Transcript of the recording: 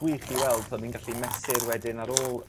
gwych i weld t'od ni'n gallu mesur wedyn ar ôl